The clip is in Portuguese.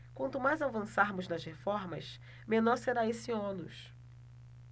quanto mais avançarmos nas reformas menor será esse ônus